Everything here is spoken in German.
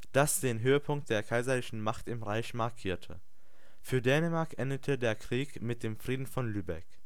das den Höhepunkt der kaiserlichen Macht im Reich markierte. Für Dänemark endete der Krieg mit dem Frieden von Lübeck